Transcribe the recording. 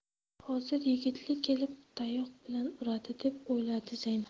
hozir yigiti kelib tayoq bilan uradi deb o'yladi zaynab